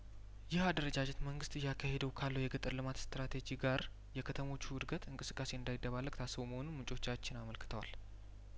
ይህ አደረጃጀት መንግስት እያካሄደው ካለው የገጠር ልማት ስትራቴጂ ጋር የከተሞቹ እድገት እንቅስቃሴ እንዳይደበላለቅ ታስቦ መሆኑን ምንጮቻችን አመልክተዋል